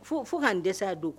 Fo k ka dɛsɛya don